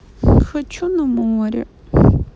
хочу на море